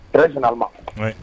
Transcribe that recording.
Jinama